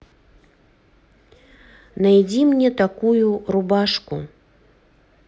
найди мне такую рубашку